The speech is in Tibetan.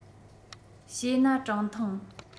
བྱས ན གྲངས ཐང